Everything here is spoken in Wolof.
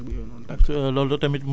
pour chaine feebar yooyu noonu dagg